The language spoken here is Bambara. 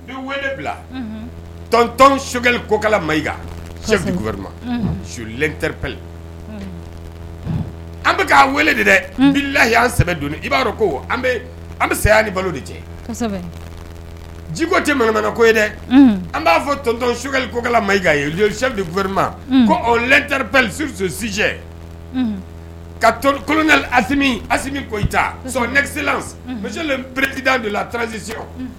Bɛ weele bila tɔntɔn sokɛkalikokala mayika cɛfafku su lentpli an bɛ k' weele de dɛ bilayi' an sɛ don i b'a dɔn ko an bɛ saya ni balo de cɛ jiko tɛ mmana ko ye dɛ an b'a fɔ tɔnontɔn sukalikokala mayika yeɛma ɔ triplsisi kakolon asimi asimi kotasi misilen peretid de la taazsisi